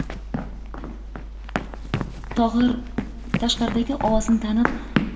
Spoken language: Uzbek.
tohir tashqaridagi ovozni tanib